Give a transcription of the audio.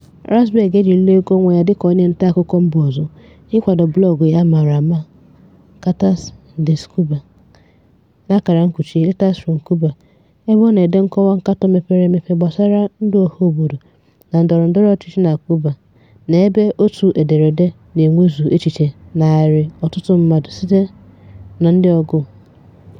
Ravsberg ejirila ego ọnwa ya dịka onye ntaakụkọ mba ọzọ ịkwado blọọgụ ya a maara nke ọma "Cartas desde Cuba” (Letters from Cuba), ebe ọ na-ede nkọwa nkatọ mepere emepe gbasara ndụ ọhaobodo na ndọrọndọrọ ọchịchị na Cuba, na ebe otu ederede na-enwezu echiche narị ọtụtụ mmadụ sitere na ndị ọgụụ.